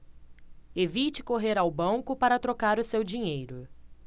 evite correr ao banco para trocar o seu dinheiro